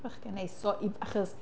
Bachgen neis. So i... achos...